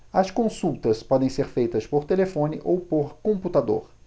as consultas podem ser feitas por telefone ou por computador